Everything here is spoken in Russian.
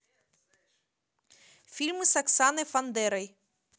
фильмы с оксаной фандерой